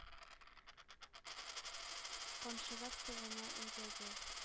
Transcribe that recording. Камчылап, тылына әйдәде.